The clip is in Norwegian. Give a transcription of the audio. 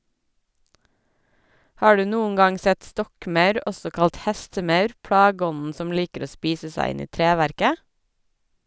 Har du noen gang sett stokkmaur, også kalt hestemaur, plageånden som liker å spise seg inn i treverket?